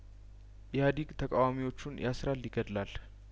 ኢህአዲግ ተቃዋሚዎቹን ያስራል ይገድላል